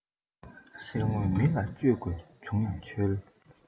གསེར དངུལ མི ལ བཅོལ དགོས བྱུང ཡང ཆོལ